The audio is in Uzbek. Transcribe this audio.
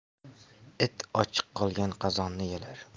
it ochiq qolgan qozonni yalar